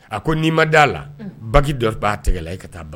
A ko n'i ma d a la ba dɔ b'a tɛgɛ la i ka taa